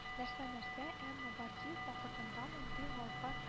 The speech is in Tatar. Нәрсә-нәрсә, әмма Бардиев вакытында мондый гауга